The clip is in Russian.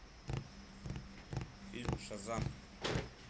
фильм шазам